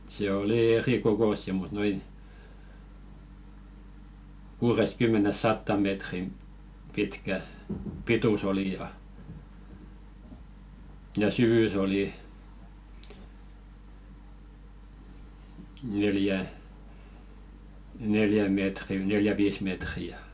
se oli erikokoisia mutta noin kuudestakymmenestä sataan metriin pitkä pituus oli ja ja syvyys oli neljä neljä metriä neljä viisi metriä ja